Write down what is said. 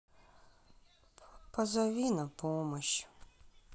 позови на помощь